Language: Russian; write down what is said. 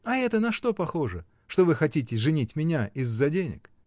— А это на что похоже, что вы хотите женить меня из-за денег?